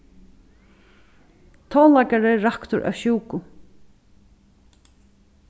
tónleikari raktur av sjúku